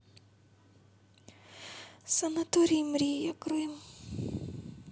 санаторий мрия крым